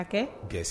A gese